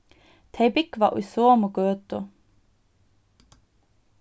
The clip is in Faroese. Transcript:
tey búgva í somu gøtu